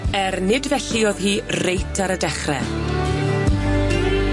Er nid felly o'dd hi reit ar y dechre.